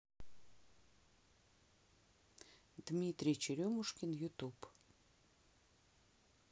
дмитрий черемушкин ютуб